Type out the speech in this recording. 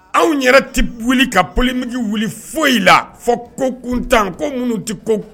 Anw yɛrɛ tɛ wuli ka polimki wuli foyi la fɔ ko kuntan ko minnu tɛ ko